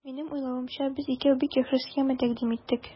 Минем уйлавымча, без икәү бик яхшы схема тәкъдим иттек.